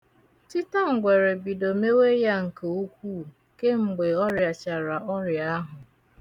Tịtangwere bido mewe ya nke ukwu kemgbe orịachara ọria ahụ.